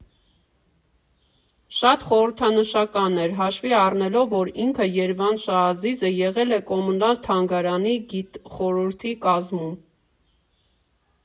Շատ խորհրդանշական էր՝ հաշվի առնելով, որ ինքը՝ Երվանդ Շահազիզը, եղել էր Կոմունալ թանգարանի գիտխորհրդի կազմում։